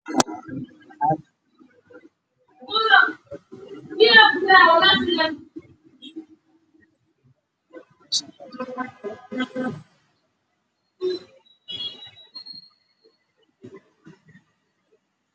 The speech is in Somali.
Waa layr cad